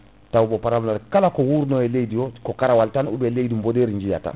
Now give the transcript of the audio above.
taw ba * kala ko wurno e leydi o ko karawal tan ou bien leydi boɗeeri jiiyata